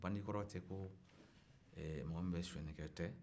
bandi kɔrɔ tɛ ko ee mɔgɔ min bɛ sonyani kɛ o tɛ